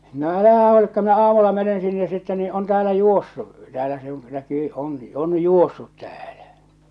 no älähän huolikaan minä aamulla menen sinne sitten niin on täällä juossut täällä se on näkyy onkin on juossut täällä